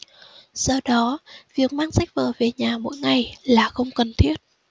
do đó việc mang sách vở về nhà mỗi ngày là không cần thiết